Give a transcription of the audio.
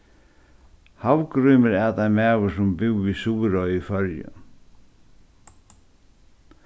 havgrímur æt ein maður sum búði í suðuroy í føroyum